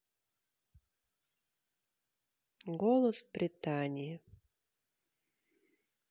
голос британии